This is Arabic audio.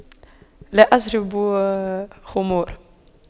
لا أجرب خمور